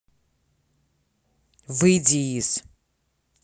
выйди из